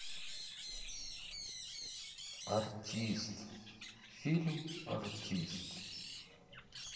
артист фильм артист